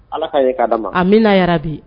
Ala k ka' d di ma a bɛnaa yɛrɛ bi